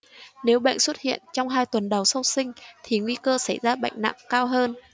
nếu bệnh xuất hiện trong hai tuần đầu sau sinh thì nguy cơ xảy ra bệnh nặng cao hơn